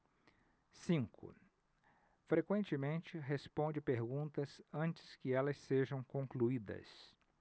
cinco frequentemente responde perguntas antes que elas sejam concluídas